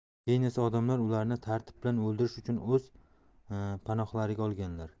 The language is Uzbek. keyin esa odamlar ularni tartib bilan o'ldirish uchun o'z panohlariga olganlar